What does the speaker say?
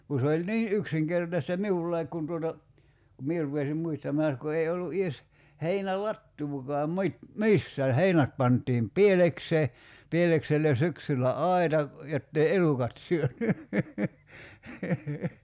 kun se oli niin yksinkertaista minullakin kun tuota kun minä rupesin muistamaan näet kun ei ollut edes heinälatoakaan - missään heinät pantiin pielekseen pielekselle syksyllä aita jotta ei elukat syönyt